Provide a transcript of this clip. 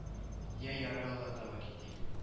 Йә ярый алга таба китик